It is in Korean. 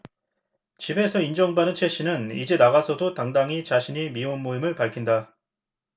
집에서 인정받은 최 씨는 이제 나가서도 당당히 자신이 미혼모임을 밝힌다